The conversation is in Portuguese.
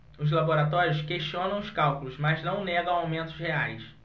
os laboratórios questionam os cálculos mas não negam aumentos reais